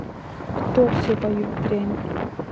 кто все поют дрянь